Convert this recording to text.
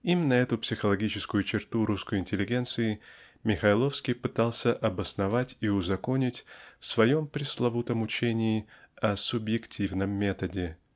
Именно эту психологическую черту русской интеллигенции Михайловский пытался обосновать и узаконить в своем пресловутом учении о "субъективном методе".